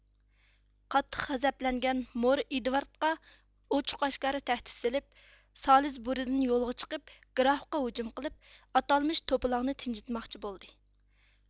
قاتتىق غەزەپلەنگەن مور ئېدۋاردقا ئوچۇق ئاشكارا تەھدىت سېلىپ سالىزبۇرىدىن يولغا چىقىپ گرافقا ھۇجۇم قىلىپ ئاتالمىش توپىلاڭ نى تىنچىتماقچى بولدى